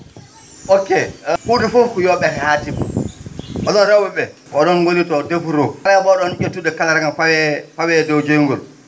ok huunde fof ko yo ?ete haa timma onon rew?e ?e onon ngoni ?o defu to * ?ettude kaleera? fawa e dow jayngol